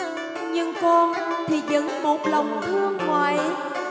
nhưng con thì vẫn một lòng thương ngoại